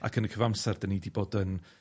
Ac yn y cyfamser, 'dan ni 'di bod yn